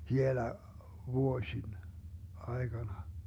hielä vuosien aikana